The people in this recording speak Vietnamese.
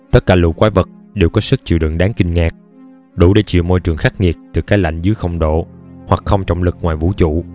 tất cả lũ quái vật đều có sức chịu đựng đáng kinh ngạc đủ để chịu môi trường khắc nghiệt từ cái lạnh dưới độ hoặc không trọng lực ngoài vũ trụ